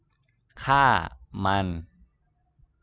ฆ่ามัน